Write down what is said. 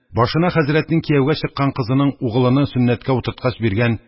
Башына хәзрәтнең кияүгә чыккан кызының угылыны сөннәткә утырткач биргән